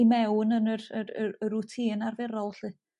i mewn yn yr yr y rŵtin arferol lly.